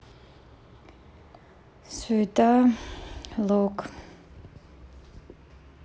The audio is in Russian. суета loc